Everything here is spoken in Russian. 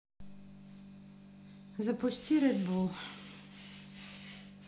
запусти рэд болл